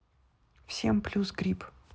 всем плюс грипп